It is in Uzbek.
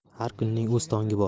har kunning o'z tongi bor